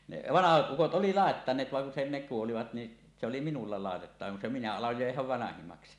ne vanhat ukot oli laittaneet vaan kun se ne kuolivat niin se oli minulla laitettava kun se minä aloin jo jäädä vanhimmaksi